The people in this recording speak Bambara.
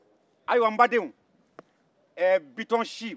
ayiwa n badenw bitɔnsiw